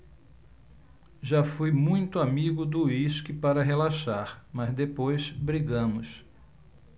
já fui muito amigo do uísque para relaxar mas depois brigamos